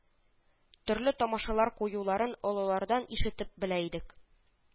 Төрле тамашалар куюларын олылардан ишетеп белә идек